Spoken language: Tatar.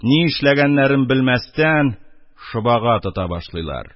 Ни эшләгәннәрен белмәстән, шобага тота башлыйлар.